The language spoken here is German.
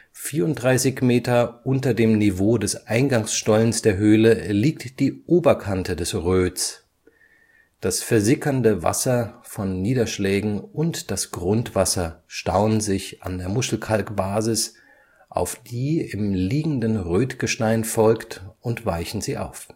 34 Meter unter dem Niveau des Eingangsstollens der Höhle liegt die Oberkante des Röts. Das versickernde Wasser von Niederschlägen und das Grundwasser stauen sich an der Muschelkalkbasis, auf die im Liegenden Rötgestein folgt, und weichen sie auf